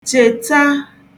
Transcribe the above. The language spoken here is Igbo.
chèta